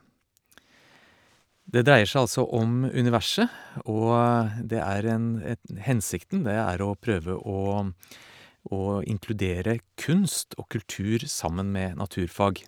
Det dreier seg altså om universet, og det er en et hensikten det er å prøve å å inkludere kunst og kultur sammen med naturfag.